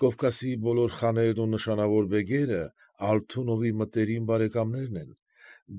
Կովկասի բոլոր խաներն ու նշանավոր բեգերը Ալթունովի մտերիմ բարեկամներն են։